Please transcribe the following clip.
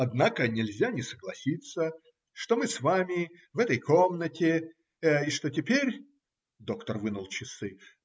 Однако нельзя не согласиться, что мы с вами в этой комнате и что теперь, доктор вынул часы,